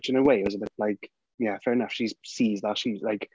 Which in a way was a bit like yeah fair enough, she's sees that she's like...